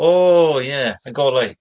O, ie. Y golau!